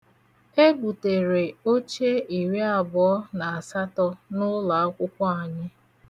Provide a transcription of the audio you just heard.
Ebutere oche iriabụọ na asatọ n'ụlọakwụkwọ anyị.